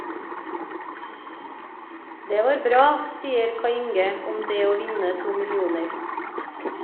- Det var bra, sier Kai Inge om det å vinne 2 millioner.